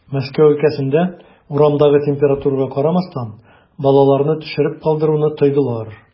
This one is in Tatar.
Мәскәү өлкәсендә, урамдагы температурага карамастан, балаларны төшереп калдыруны тыйдылар.